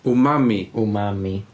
Umami?... Umami.